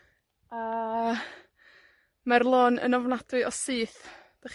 A, mae'r lôn yn ofnadwy o syth. 'Dach chi'n gallu gweld?